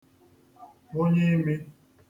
onyeimi